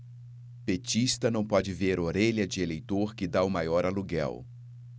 petista não pode ver orelha de eleitor que tá o maior aluguel